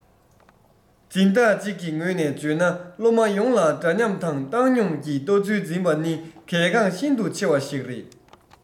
འཛིན བདག ཅིག གི ངོས ནས བརྗོད ན སློབ མ ཡོངས ལ འདྲ མཉམ དང བཏང སྙོམས ཀྱི ལྟ ཚུལ འཛིན པ ནི གལ འགངས ཤིན ཏུ ཆེ བ ཞིག རེད